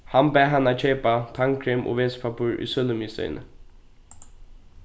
hann bað hana keypa tannkrem og vesipappír í sølumiðstøðini